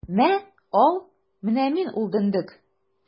Мә, ал, менә мин ул дөндек!